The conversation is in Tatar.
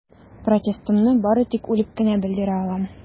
Протестымны бары тик үлеп кенә белдерә алам.